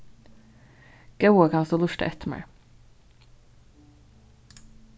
góða kanst tú lurta eftir mær